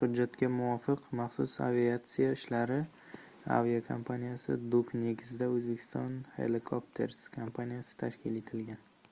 hujjatga muvofiq maxsus aviatsiya ishlari aviakompaniyasi duk negizida uzbekistan helicopters kompaniyasi tashkil etilgan